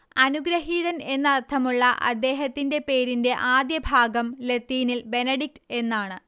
അനുഗ്രഹീതൻ എന്നർത്ഥമുള്ള അദ്ദേഹത്തിന്റെ പേരിന്റെ ആദ്യഭാഗം ലത്തീനിൽ ബെനഡിക്ട് എന്നാണ്